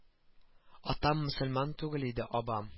Атам мөселман түгел иде абам